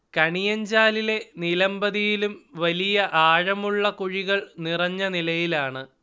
കണിയഞ്ചാലിലെ നിലംപതിയിലും വലിയ ആഴമുള്ള കുഴികൾ നിറഞ്ഞനിലയിലാണ്